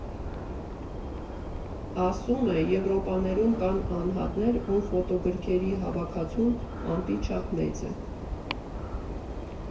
Ասում է՝ Եվրոպաներում կան անհատներ, ում ֆոտո֊գրքերի հավաքածուն ամպի չափ մեծ է։